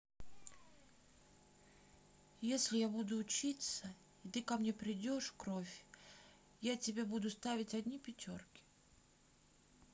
если я буду учиться и ты ко мне придешь кровь я тебя буду ставить одни пятерки